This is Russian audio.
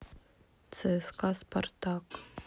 цска спартак